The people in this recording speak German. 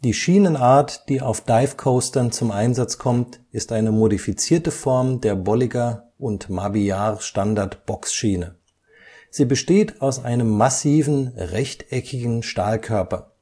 Schienenart, die auf Dive Coastern zum Einsatz kommt, ist eine modifizierte Form der Bolliger -&- Mabilliard-Standard-Boxschiene. Sie besteht aus einem massiven rechteckigen Stahlkörper